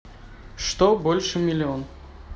что больше миллион